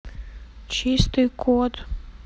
чистый код